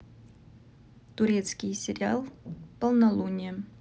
турецкий сериал полнолуние